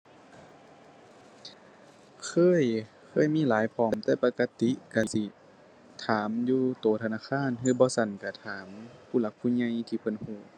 เคย เคยมีหลายพร้อมแต่ปกติก็สิถามอยู่ก็ธนาคาร หรือบ่ซั้นก็ถามผู้หลักผู้ใหญ่ที่เพิ่นก็